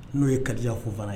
N'o ye kadi fo fana ye